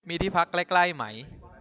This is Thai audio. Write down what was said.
มีที่พักใกล้ใกล้ไหม